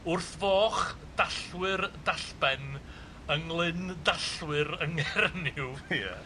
Wrth foch dallwyr dallben yng nglyn dallwyr yng Nghernyw. Ia.